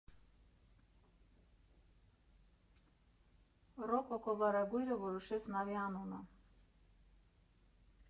Ռոկոկո վարագույրը որոշեց նավի անունը։